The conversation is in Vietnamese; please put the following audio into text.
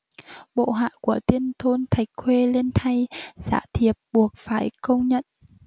bộ hạ của tiên tôn thạch khuê lên thay giả thiệp buộc phải công nhận